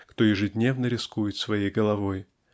кто ежедневно рискует своей головой.